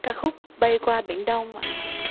ca khúc bay qua biển đông ạ